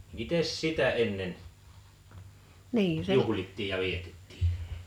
mitenkäs sitä ennen juhlittiin ja vietettiin